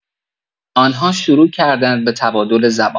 آنها شروع کردند به تبادل زبان